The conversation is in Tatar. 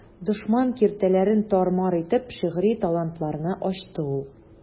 Дошман киртәләрен тар-мар итеп, шигъри талантларны ачты ул.